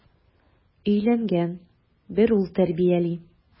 Өйләнгән, бер ул тәрбияли.